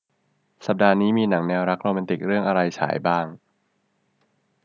สัปดาห์นี้มีหนังแนวรักโรแมนติกเรื่องอะไรฉายบ้าง